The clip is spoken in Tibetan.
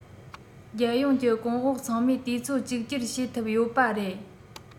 རྒྱལ ཡོངས ཀྱི གོང འོག ཚང མས དུས ཚོད གཅིག གྱུར བྱས ཐུབ ཡོད པ རེད